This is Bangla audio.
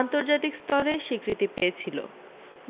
আন্তর্জাতিক স্তরে স্বীকৃত পেয়েছিল